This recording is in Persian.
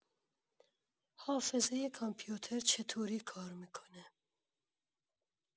حافظۀ کامپیوتر چطوری کار می‌کنه؟